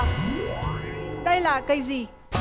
đây là cây gì